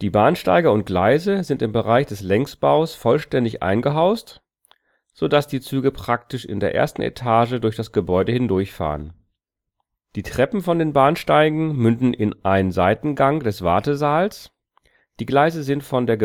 Bahnsteige und Gleise sind im Bereich des Längsbaus vollständig eingehaust, so dass die Züge praktisch in der ersten Etage durch das Gebäude hindurchfahren. Die Treppen von den Bahnsteigen münden in einen Seitengang des Wartesaals; die Gleise sind von der